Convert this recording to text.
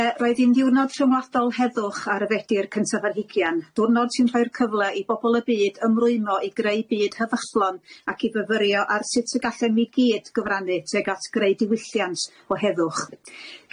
Yy roedd hi'n ddiwrnod rhyngwladol heddwch ar y Fedi'r cyntaf ar hugian, diwrnod sy'n rhoi'r cyfle i bobol y byd ymrwymo i greu byd heddychlon ac i fyfyrio ar sut y gallem i gyd gyfrannu tuag at greu diwylliant o heddwch.